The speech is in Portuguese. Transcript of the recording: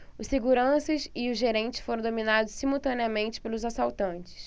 os seguranças e o gerente foram dominados simultaneamente pelos assaltantes